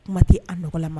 Kuma tɛ a nɔgɔ ma